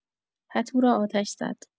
پتو را آتش زد.